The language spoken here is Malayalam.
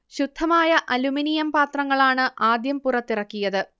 ശുദ്ധമായ അലുമിനിയം പാത്രങ്ങളാണ് ആദ്യം പുറത്തിറക്കിയത്